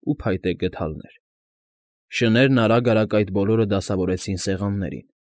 Ու փայտե գդալներ։ Շներն արագ֊արագ այդ բոլորը դասավորեցին սեղաններին։